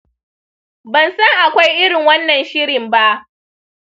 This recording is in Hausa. ban san akwai irin wannan shirin ba.